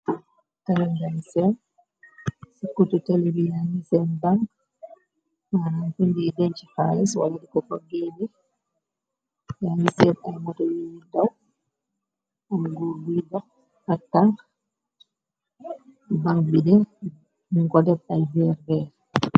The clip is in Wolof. Televeser ci kutu telibi seen bank mannamfun ndi den ci halis wala diko ko géne yangi seen ay mota yuyi daw am goor bu dox ak tanx bank bide nuñ ko def ay veer.